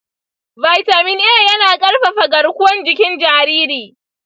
vitamin a yana ƙarfafa garkuwar jikin jariri.